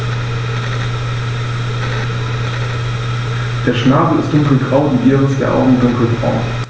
Der Schnabel ist dunkelgrau, die Iris der Augen dunkelbraun.